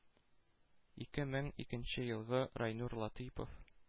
Ике менң икенче елгы райнур латыйпов